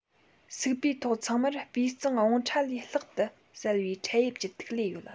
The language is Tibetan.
སུག པའི ཐོག ཚང མར སྤུས གཙང བོང ཁྲ ལས ལྷག ཏུ གསལ བའི འཕྲེད དབྱིབས ཀྱི ཐིག ལེ ཡོད